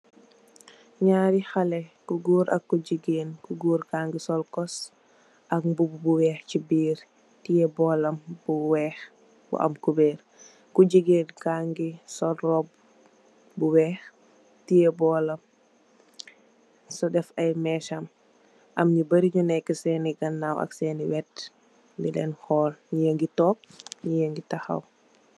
Ngair Haley ku jigeen ak ku gorr gorr ki mu solu mbuba kous ak mbuba bu wax ci birr ku jigeen ki mu gi solu roubu bu wax